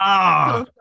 O!